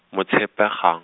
Motshepagang.